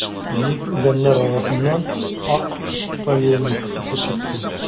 Биек үләннәр арасыннан ак повейник үсеп чыкты.